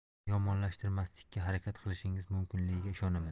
buni yomonlashtirmaslikka harakat qilishingiz mumkinligiga ishonaman